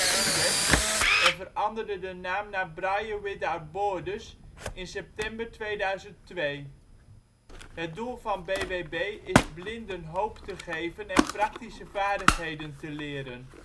Tibet en veranderde de naam naar Braille Without Borders in september 2002. Het doel van BWB is blinden hoop te geven en praktische vaardigheden te leren